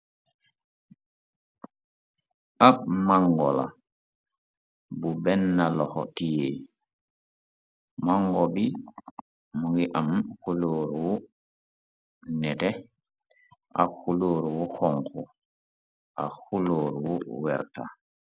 ab mangola bu benna loxo tie mango bi mu ngi am xulóorwu nete ak xulóoru wu xonku ak xulóorwu werta